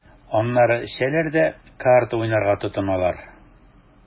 Аннары эчәләр дә карта уйнарга тотыналар.